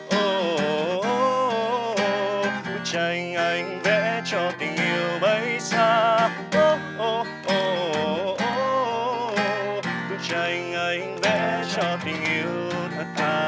ô ô ồ ô ố ô ồ bức tranh anh vẽ cho tình yêu bay xa ố ồ ô ô ồ ô ố ô ồ bức tranh anh vẽ cho tình yêu thật thà